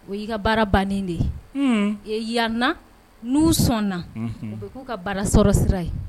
O y' ka baara bannen de ye yanana n'u sɔnna u bɛ k'u ka baara sɔrɔ sira ye